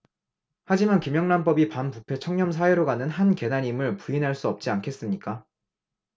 하지만 김영란법이 반부패 청렴 사회로 가는 한 계단임을 부인할 수 없지 않겠습니까